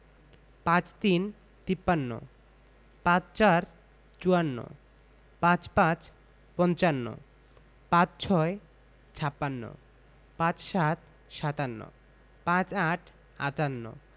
৫৩ - তিপ্পান্ন ৫৪ - চুয়ান্ন ৫৫ – পঞ্চান্ন ৫৬ – ছাপ্পান্ন ৫৭ – সাতান্ন ৫৮ – আটান্ন